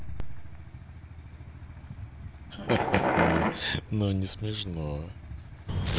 ха ха ха ну не смешно